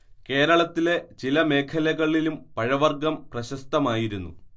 കേരളത്തിലെ ചില മേഖലകളിലും പഴവർഗ്ഗം പ്രശസ്തമായിരുന്നു